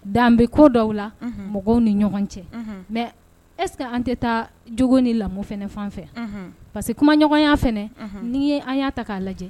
Dabe ko dɔ la mɔgɔw ni ɲɔgɔn cɛ mɛ esse an tɛ taaogo ni lamɔ fana fan fɛ pa que kumaɲɔgɔnya fana n'i ye an y'a ta k'a lajɛ